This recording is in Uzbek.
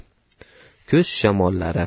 kuz shamollari